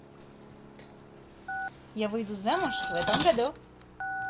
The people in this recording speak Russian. а выйду я замуж в этом году